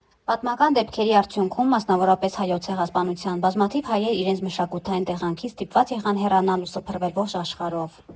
Պատմական դեպքերի արդյունքում, մասնավորապես Հայոց ցեղասպանության, բազմաթիվ հայեր իրենց մշակութային տեղանքից ստիպված եղան հեռանալ ու սփռվել ողջ աշխարհով։